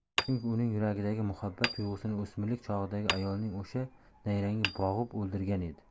chunki uning yuragidagi muhabbat tuyg'usini o'smirlik chog'idagi ayolning o'sha nayrangi bo'g'ib o'ldirgan edi